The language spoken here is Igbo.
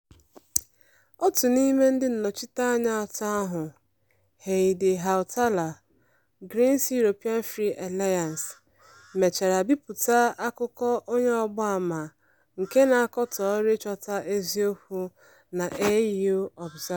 Otu n'ime ndị nnọchiteanya atọ ahụ, Heidi Hautala (Greens-European Free Alliance), mechara bipụta akụkọ onye ọgbaama nke na-akatọ ọrụ ịchọta eziokwu na EU Observer.